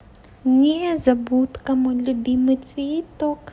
незабудка мой любимый цветок